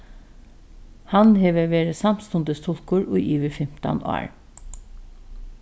hann hevur verið samstundistulkur í yvir fimtan ár